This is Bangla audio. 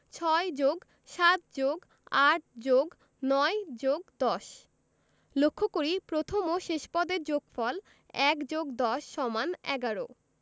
৬+৭+৮+৯+১০ লক্ষ করি প্রথম ও শেষ পদের যোগফল ১+১০=১১